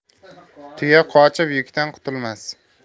tuya qochib yukdan qutulmas